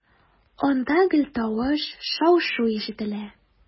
Анда гел тавыш, шау-шу ишетелә.